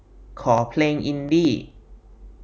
ขอเพลงอินดี้